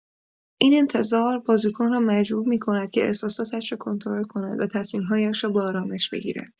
این انتظار، بازیکن را مجبور می‌کند احساساتش را کنترل کند و تصمیم‌هایش را با آرامش بگیرد.